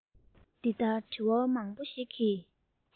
དེ ལྟར དྲི བ མང པོ ཞིག གི